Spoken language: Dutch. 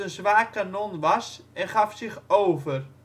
zwaar kanon was en gaf zich over